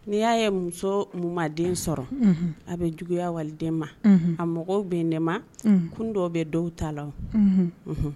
Ni'i y'a ye muso min ma den sɔrɔ a, unhun , bɛ juguya wali den ma, unhun ,a mɔgɔw bɛ ne ma kun dɔw b'a la wo